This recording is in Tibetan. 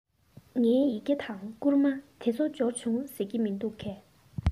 ངའི ཡི གེ དང བསྐུར མ དེ ཚོ འབྱོར བྱུང ཟེར གྱི མི འདུག གས